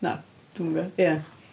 Na, dwi'm yn gwybod. Ia.